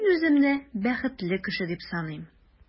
Мин үземне бәхетле кеше дип саныйм.